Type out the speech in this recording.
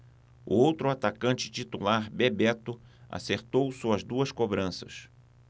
o outro atacante titular bebeto acertou suas duas cobranças